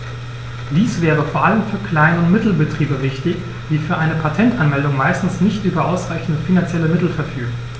Dies wäre vor allem für Klein- und Mittelbetriebe wichtig, die für eine Patentanmeldung meistens nicht über ausreichende finanzielle Mittel verfügen.